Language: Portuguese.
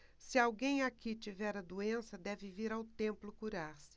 se alguém aqui tiver a doença deve vir ao templo curar-se